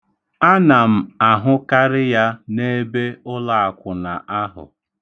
Ana m ahụkarị ya n'ebe ụlọakwụna ahụ.